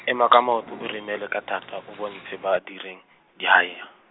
ema ka maoto o remele ka thata o bontshe badireng, dihaeya.